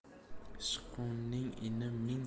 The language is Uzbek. sichqonning ini ming